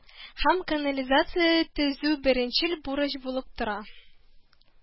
Һәм канализация төзү беренчел бурыч булып тора